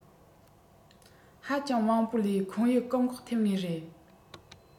ཧ ཅང མང པོ ལས ཁུང ཡི བཀག འགོག ཐེབས ངེས རེད